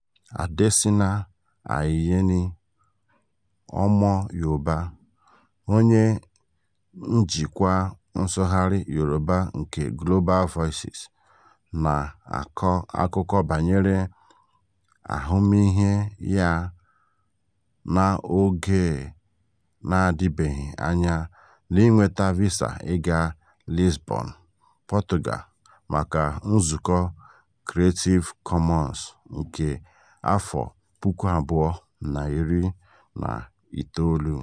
Adéṣínà Ayeni (Ọmọ Yoòbá), onye njikwa nsụgharị Yoruba nke Global Voices, na-akọ akụkọ banyere ahụmịịhe ya n'oge na-adịbeghị anya n'ịnweta visa ịga Lisbon, Portugal, maka Nzukọ Creative Commons nke 2019: